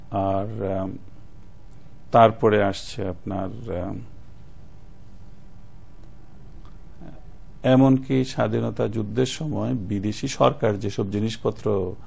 আর তারপরে আসছে আপনার এমনকি স্বাধীনতা যুদ্ধের সময় বিদেশী সরকার যে সব জিনিসপত্র